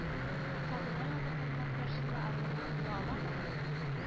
Коммуналь газапланулар көрәшендә аргумент була аламы